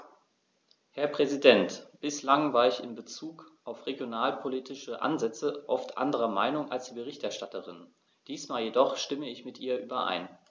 Herr Präsident, bislang war ich in bezug auf regionalpolitische Ansätze oft anderer Meinung als die Berichterstatterin, diesmal jedoch stimme ich mit ihr überein.